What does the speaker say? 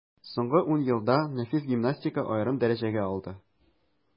Соңгы ун елда нәфис гимнастика аерым дәрәҗәгә алды.